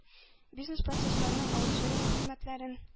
Бизнес-процессларның аутсорсингы хезмәтләрен